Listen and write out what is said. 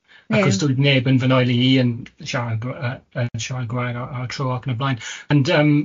Ia... Achos toedd neb yn fy nheulu i yn siarad gr- yy yn siarad Gymraeg ar y ar y tro ac yn y blaen. And yym